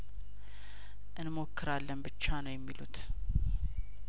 እንሞክራለን ብቻ ነው የሚሉት